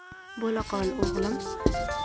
bo'la qol o'g'lim